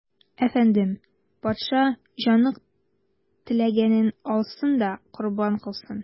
Әфәндем, патша, җаны теләгәнне алсын да корбан кылсын.